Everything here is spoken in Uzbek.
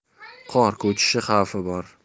qor ko'chishi xavfi bor